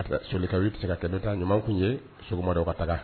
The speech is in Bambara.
Solika wuli bɛ se ka kɛlɛ taa ɲuman tun ye sɔgɔmadɔ ka taga